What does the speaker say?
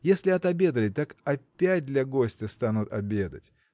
если отобедали, так опять для гостя станут обедать